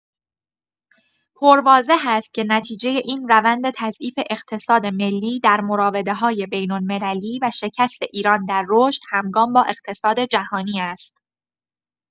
پر واضح است که نتیجۀ این روند تضعیف اقتصاد ملی در مرواده‌های بین‌المللی و شکست ایران در رشد همگام با اقتصاد جهانی است.